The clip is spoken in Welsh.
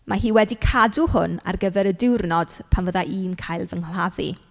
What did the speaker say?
Mae hi wedi cadw hwn ar gyfer y diwrnod pan fydda i'n cael fy nghladdu."